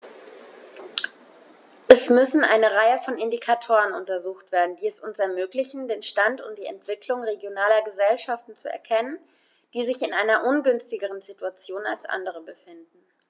Es müssen eine Reihe von Indikatoren untersucht werden, die es uns ermöglichen, den Stand und die Entwicklung regionaler Gesellschaften zu erkennen, die sich in einer ungünstigeren Situation als andere befinden.